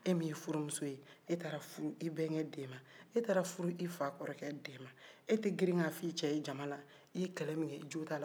e min ye furumuso ye e taara furu e bɛnkɛ den ma e taara furu i fa kɔrɔkɛ den man e tɛ girin k'a fɔ i cɛ ye jama la i ye kɛlɛ min kɛ e jo t'a la